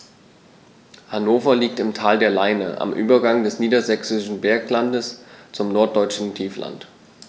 Hannover liegt im Tal der Leine am Übergang des Niedersächsischen Berglands zum Norddeutschen Tiefland.